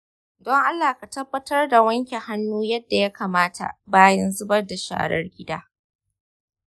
don allah ka tabbatar da wanke hannu yadda ya kamata bayan zubar da sharar gida.